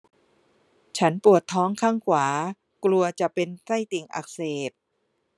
ฉันปวดท้องข้างขวากลัวจะเป็นไส้ติ่งอักเสบ